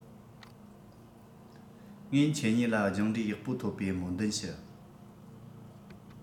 ངས ཁྱེད གཉིས ལ སྦྱངས འབྲས ཡག པོ ཐོབ པའི སྨོན འདུན ཞུ